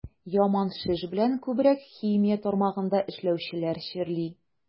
Яман шеш белән күбрәк химия тармагында эшләүчеләр чирли.